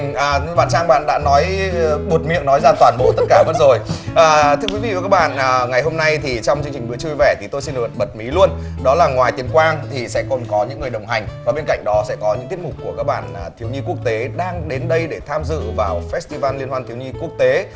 à nhưng mà trang bạn đã nói buột miệng nói ra toàn bộ tất cả mất rồi ờ thưa quý vị và các bạn à ngày hôm nay thì trong chương trình bữa trưa vui vẻ thì tôi xin được bật mí luôn đó là ngoài tiến quang thì sẽ còn có những người đồng hành và bên cạnh đó sẽ có những tiết mục của các bạn à thiếu nhi quốc tế đang đến đây để tham dự vào phét ti van liên hoan thiếu nhi quốc tế